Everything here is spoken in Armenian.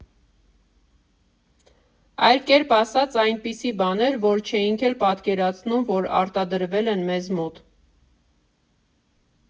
Այլ կերպ ասած՝ այնպիսի բաներ, որ չէինք էլ պատկերացնում, որ արտադրվել են մեզ մոտ։